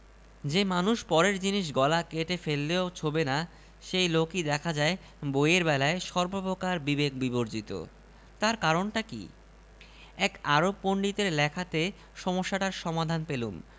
যে মানুষ পরের জিনিস গলা কেটে ফেললেও ছোঁবে না সেই লোকই দেখা যায় বইয়ের বেলায় সর্বপ্রকার বিবেক বিবর্জিত তার কারণটা কি এক আরব পণ্ডিতের লেখাতে সমস্যাটার সমাধান পেলুম